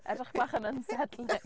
Edrych bach yn unsettling.